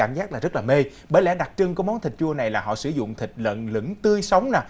cảm giác là rất là mê bởi lẽ đặc trưng của món thịt chua này là họ sử dụng thịt lợn lửng tươi sống nè